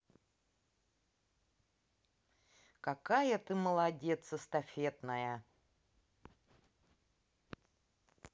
какая ты молодец эстафетная